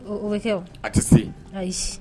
O bɛ kɛ o a tɛ se ayi